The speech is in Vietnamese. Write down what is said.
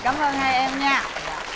cảm ơn hai em nha